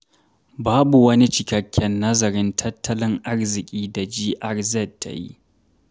Babu wani cikakken nazarin tattalin arziki da GRZ ta yi.